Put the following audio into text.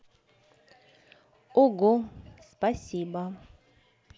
ого спасибо